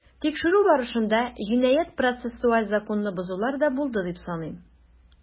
Тикшерү барышында җинаять-процессуаль законны бозулар да булды дип саныйм.